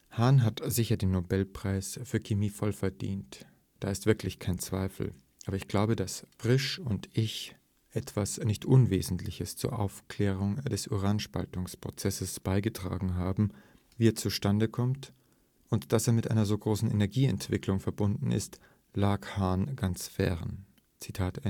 Hahn hat sicher den Nobelpreis für Chemie voll verdient, da ist wirklich kein Zweifel. Aber ich glaube, daß Frisch und ich etwas nicht Unwesentliches zur Aufklärung des Uranspaltungsprozesses beigetragen haben – wie er zustande kommt und daß er mit einer so großen Energieentwicklung verbunden ist, lag Hahn ganz fern. “Carl